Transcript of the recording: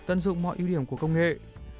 tận dụng mọi ưu điểm của công nghệ